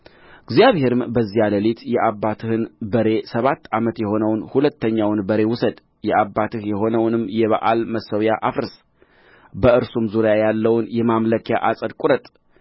እግዚአብሔርም በዚያ ሌሊት የአባትህን በሬ ሰባት ዓመት የሆነውን ሁለተኛውን በሬ ውሰድ የአባትህ የሆነውንም የበኣል መሠዊያ አፍርስ በእርሱም ዙሪያ ያለውን የማምለኪያ ዐፀድ ቍረጥ